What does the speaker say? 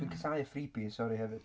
Dwi'n casáu y freebies sori hefyd.